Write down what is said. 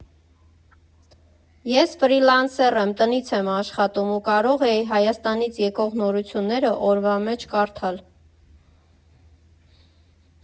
Ես ֆրիլանսեր եմ, տնից եմ աշխատում ու կարող էի Հայաստանից եկող նորությունները օրվա մեջ կարդալ։